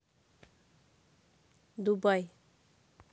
дубай